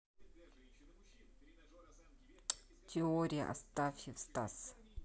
теория астафьев стас